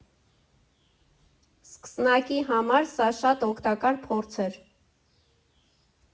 Սկսնակի համար սա շատ օգտակար փորձ էր։